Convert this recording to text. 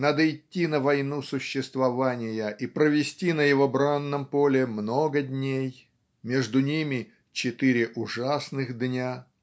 надо идти на войну существования и провести на его бранном поле много дней между ними четыре ужасных дня.